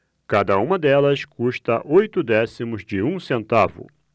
cada uma delas custa oito décimos de um centavo